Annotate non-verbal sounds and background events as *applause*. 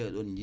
*hesitation* *hesitation*